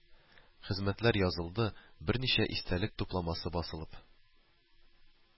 Хезмәтләр язылды, берничә истәлек тупламасы басылып